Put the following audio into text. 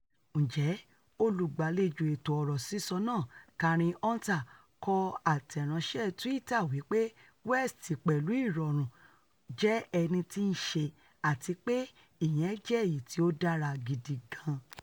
Ṣùgbọ́n olùgbàlejò ètò ọ̀rọ̀ sísọ nàà Karen Hunter kọ àtẹ̀ránṣẹ́ tweeter wí pé West pẹ̀lú ìrọ̀rùn ''njẹ́ ẹnití i ṣe àtipé ìyẹn jẹ́ èyití ó dára gídígáà́n.''